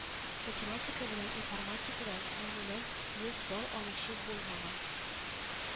Математика белән информатикадан, гомумән, йөз балл алучы булмаган